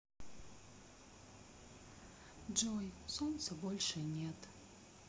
джой солнца больше нет